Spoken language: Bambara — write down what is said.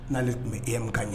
N'ale tun bɛ e ka ɲɛ